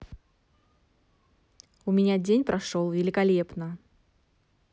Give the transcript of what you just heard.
у меня день прошел великолепно